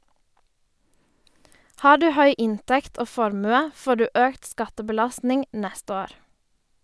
Har du høy inntekt og formue, får du økt skattebelastning neste år.